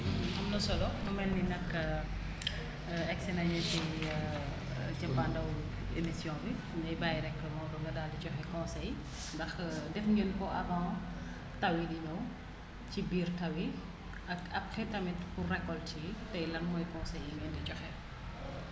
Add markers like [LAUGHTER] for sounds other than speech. am na solo mu mel ni nag [HESITATION] [SMACKS LIPS] egg si nañu si [HESITATION] cëppaandawu émission bi ñu ngi lay bàyyi rekk Maodo nga daal di joxe conseil ndax [HESITATION] def ngeen ko avant taw yi di ñëw ci biir taw yi ak après tamit pour récolte yi tay lan mooy conseil yi ngeen di joxe